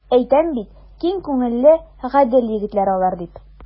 Әйтәм бит, киң күңелле, гадел егетләр алар, дип.